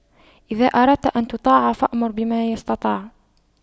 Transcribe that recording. إذا أردت أن تطاع فأمر بما يستطاع